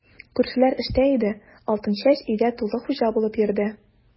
Күршеләр эштә иде, Алтынчәч өйдә тулы хуҗа булып йөрде.